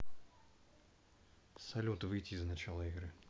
салют выйти из начала игры